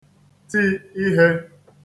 ti ihē